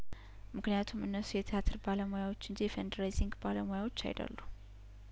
ምክንያቱም እነሱ የትያትር ባለሙያዎች እንጂ የፈንድሬ ዚንግ ባለሙያዎች አይደሉም